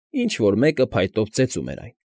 Ինչ֊որ մեկը փայտով ծեծում էր այն։